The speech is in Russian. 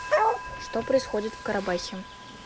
что происходит в карабахе